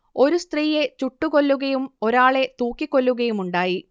ഒരു സ്ത്രീയെ ചുട്ടുകൊല്ലുകയും ഒരാളെ തൂക്കിക്കൊല്ലുകയുമുണ്ടായി